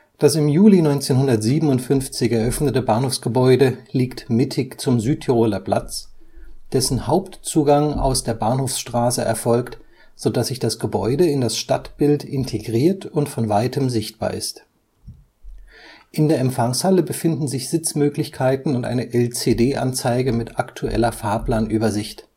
Das im Juli 1957 eröffnete Bahnhofsgebäude liegt mittig zum Südtiroler Platz, dessen Hauptzugang aus der Bahnhofsstraße erfolgt, sodass sich das Gebäude in das Stadtbild integriert und von weitem sichtbar ist. In der Empfangshalle befinden sich Sitzmöglichkeiten und eine LCD-Anzeige mit aktueller Fahrplanübersicht